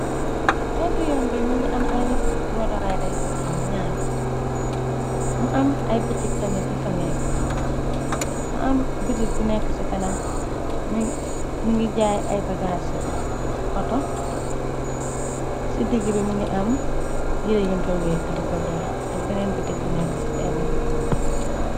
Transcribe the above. pegg yoon bi mi ngi am ay walo rayda yu fa taxaw niar mu am bitik bu nekk ci kanam mi ngi jaay ay bagaa ci oto ci digg bi mi ngi am yire yun fa weekk di ko jaay ak beneen bitig bu nekk ci pegg bi.